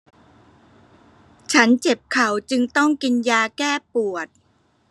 ฉันเจ็บเข่าจึงต้องกินยาแก้ปวด